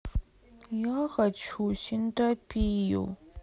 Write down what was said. я хочу синтопию